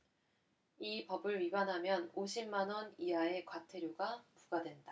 이 법을 위반하면 오십 만원 이하의 과태료가 부과된다